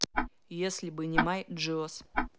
если бы не май джиос